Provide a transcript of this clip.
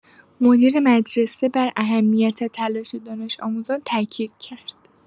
مدیر مدرسه بر اهمیت تلاش دانش‌آموزان تأکید کرد.